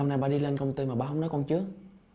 nay ba đi lên công ty mà ba không nói con trước